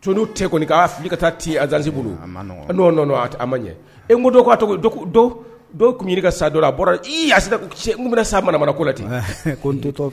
Tu tɛ kɔni ko fili ka taa ti azalisi bolo n' ma ɲɛ e kodo k'a dɔw tuniri ka sa dɔ a bɔrase bɛna sa ko la ten ko ntɔ